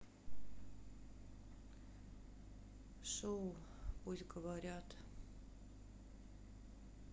шоу пусть говорят